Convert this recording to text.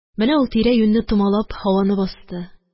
Менә ул, тирә-юньне томалап, һаваны басты.